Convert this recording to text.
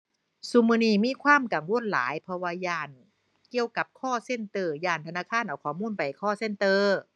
ซุมื้อนี้มีความกังวลหลาย เพราะว่าย้านเกี่ยวกับ call center ย้านธนาคารเอาข้อมูลไปให้ call center